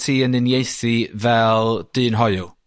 ti yn uniaethu fel dyn hoyw?